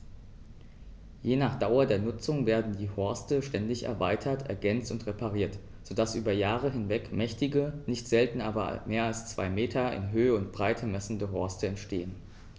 Je nach Dauer der Nutzung werden die Horste ständig erweitert, ergänzt und repariert, so dass über Jahre hinweg mächtige, nicht selten mehr als zwei Meter in Höhe und Breite messende Horste entstehen.